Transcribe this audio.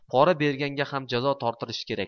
pora bergan ham jazoga tortilishi kerak